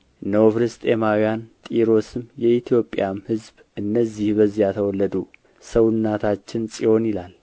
እነሆ ፍልስጥኤማውያን ጢሮስም የኢትዮጵያም ሕዝብ እነዚህ በዚያ ተወለዱ ሰው እናታችን ጽዮን ይላል